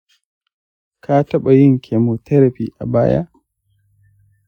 ka taɓa yin chemotherapy a baya?